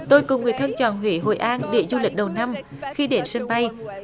tôi cùng người thân chọn huế hội an để du lịch đầu năm khi đến sân bay